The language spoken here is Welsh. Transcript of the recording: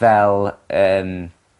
fel yn